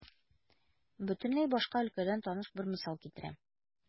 Бөтенләй башка өлкәдән таныш бер мисал китерәм.